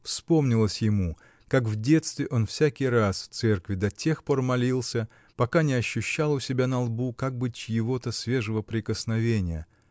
Вспомнилось ему, как в детстве он всякий раз в церкви до тех пор молился, пока не ощущал у себя на лбу как бы чьего-то свежего прикосновения